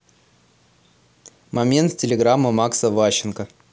момент с телеграмма макса ващенко